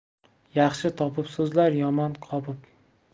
yaxshi topib so'zlar yomon qopib